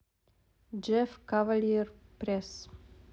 джефф кавальер пресс